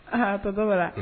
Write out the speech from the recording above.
A tɔgɔ bara